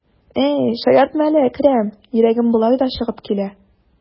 Әй, шаяртма әле, Әкрәм, йөрәгем болай да чыгып килә.